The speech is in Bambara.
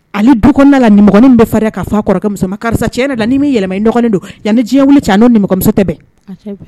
Hali du kɔnɔna na nimɔgɔnin min bɛ farinya k'a fɔ kɔrɔkɛ muso ma karisa tiɲɛna la n'i m'i yɛlɛma i nɔgɔlen don, yanni diɲɛ wuli cɛ a n'o nimɔgɔmuso tɛ bɛn